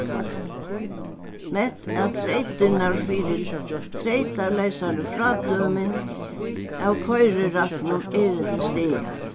mett at treytirnar fyri treytaleysari av koyrirættinum eru til staðar